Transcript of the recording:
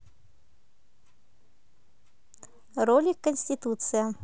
ролик конституция